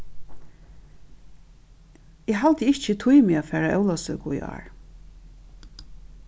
eg haldi ikki eg tími at fara á ólavsøku í ár